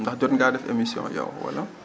ndax jot ngaa def émission yow wala